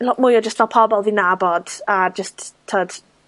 lot mwy o jyst fel pobol fi'n nabod, a jyst t'od,